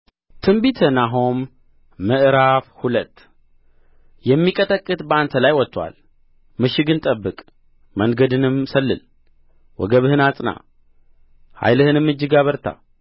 ትንቢተ ናሆም ምዕራፍ ሁለት የሚቀጠቅጥ በአንተ ላይ ወጥቶአል ምሽግን ጠብቅ መንገድንም ሰልል ወገብህን አጽና ኃይልህንም እጅግ አበርታ